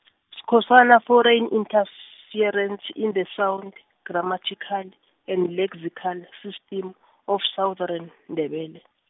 Skhosana Foreign Interferences in the Sound, Grammatical, and Lexical System, of Southern Ndebele.